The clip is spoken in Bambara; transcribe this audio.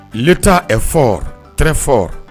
t' a fɔre fɔ